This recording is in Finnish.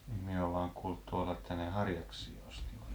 minä olen vain kuullut tuolta että ne harjaksia ostivat